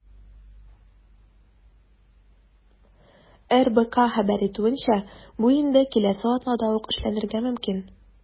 РБК хәбәр итүенчә, бу инде киләсе атнада ук эшләнергә мөмкин.